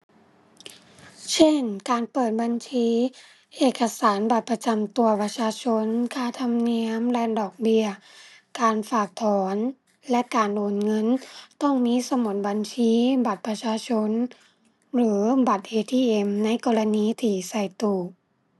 เช่น การเปิดบัญชี เอกสารบัตรประจำตัวประชาชน ค่าธรรมเนียม และดอกเบี้ย การฝากถอนและการโอนเงินต้องมีสมุดบัญชี บัตรประชาชน หรือบัตร ATM ในกรณีที่ใช้ตู้